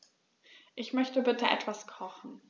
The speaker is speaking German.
Ich möchte bitte etwas kochen.